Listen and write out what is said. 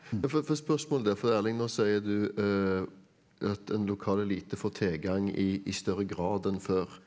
ja for spørsmålet der for det Erling nå sier du at en lokal elite får tilgang i i større grad enn før.